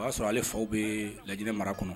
O b'a sɔrɔ ale faw bɛ lainɛ mara kɔnɔ